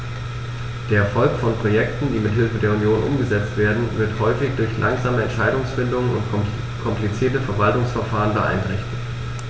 Der Erfolg von Projekten, die mit Hilfe der Union umgesetzt werden, wird häufig durch langsame Entscheidungsfindung und komplizierte Verwaltungsverfahren beeinträchtigt.